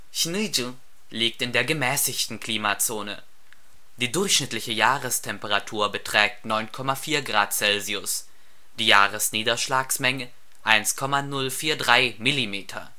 Sinŭiju liegt in der gemäßigten Klimazone. Die durchschnittliche Jahrestemperatur beträgt 9,4 Grad Celsius, die Jahresniederschlagsmenge 1.043 Millimeter